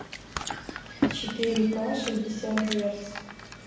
четыре ка шестьдесят герц